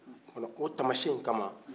ɔ k o tamasiɲɛyin kama